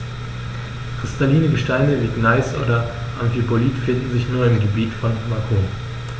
Kristalline Gesteine wie Gneis oder Amphibolit finden sich nur im Gebiet von Macun.